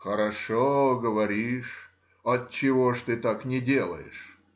— Хорошо говоришь,— отчего же ты так не делаешь?